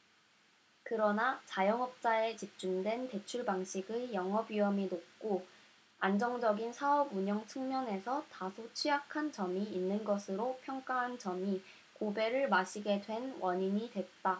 그러나 자영업자에 집중된 대출방식의 영업위험이 높고 안정적인 사업운영 측면에서 다소 취약한 점이 있는 것으로 평가한 점이 고배를 마시게 된 원인이 됐다